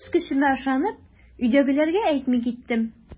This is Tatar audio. Үз көчемә ышанып, өйдәгеләргә әйтми киттем.